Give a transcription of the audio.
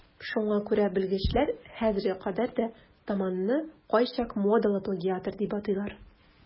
Шуңа күрә белгечләр хәзергә кадәр де Томонны кайчак модалы плагиатор дип атыйлар.